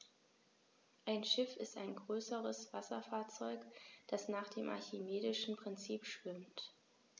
Ein Schiff ist ein größeres Wasserfahrzeug, das nach dem archimedischen Prinzip schwimmt.